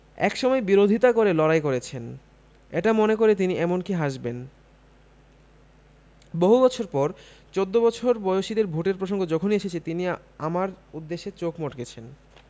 একসময় বিরোধিতা করে লড়াই করেছেন এটা মনে করে তিনি এমনকি হাসবেন বহু বছর পর চৌদ্দ বছর বয়সীদের ভোটের প্রসঙ্গ যখনই এসেছে তিনি আমার উদ্দেশে চোখ মটকেছেন